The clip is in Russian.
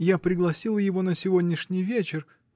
я пригласила его на сегодняшний вечер